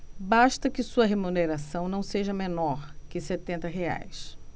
basta que sua remuneração não seja menor que setenta reais